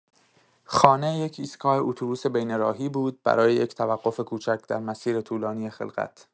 خانه یک ایستگاه اتوبوس بین‌راهی بود برای یک توقف کوچک در مسیر طولانی خلقت.